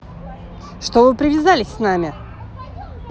что вы привязались с нами